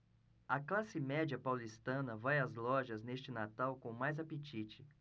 a classe média paulistana vai às lojas neste natal com mais apetite